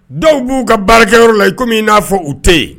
Dɔw b'u ka baarakɛyɔrɔ la i komi min n'a fɔ u tɛ yen